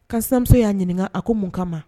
Kasamuso y'a ɲininka a ko mun ka ma